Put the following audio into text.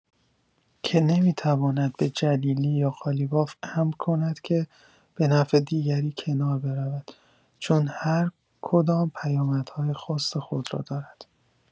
که نمی‌تواند به جلیلی یا قالیباف امر کند که به نفع دیگری کنار بروند، چون هر کدام پیامدهای خاص خود را دارد.